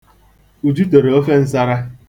Uju siri ofe nsara.